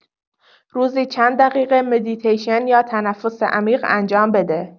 روزی چند دقیقه مدیتیشن یا تنفس عمیق انجام بده.